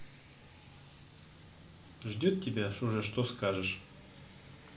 ждет тебя уже что скажешь